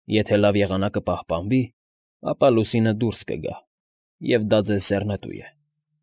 Եթե լավ եղանակը պահպանվի, ապա լուսինը դուրս կգա, և դա ձեզ ձեռնտու է։